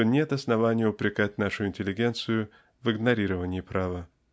то нет основания упрекать нашу интеллигенцию в игнорировании права.